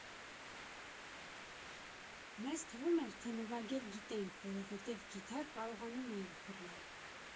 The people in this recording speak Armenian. Մեզ թվում էր, թե նվագել գիտենք, որովհետև կիթառ կարողանում էինք բռնել։